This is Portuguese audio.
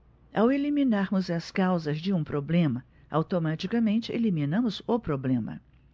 ao eliminarmos as causas de um problema automaticamente eliminamos o problema